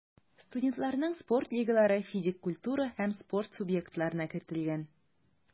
Студентларның спорт лигалары физик культура һәм спорт субъектларына кертелгән.